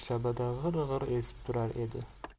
shabada g'ir g'ir esib turar edi